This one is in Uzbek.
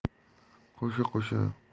qo'sha qo'sha ordin